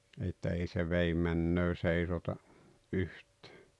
että ei se vedenmenoa seisota yhtään